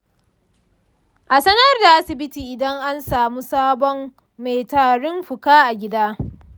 a sanar da asibiti idan an samu sabon mai tarin fuka a gida.